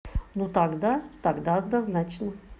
ну тогда тогда однозначно